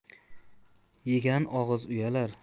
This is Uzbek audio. yegan og'iz uyalar